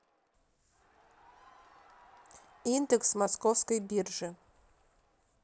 индекс московской биржи